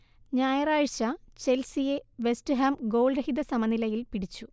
ഞായറാഴ്ച ചെൽസിയെ വെസ്റ്റ്ഹാം ഗോൾരഹിത സമനിലയിൽ പിടിച്ചു